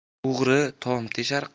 o'g'ri tom teshar